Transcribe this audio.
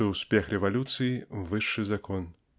что успех революции -- высший закон.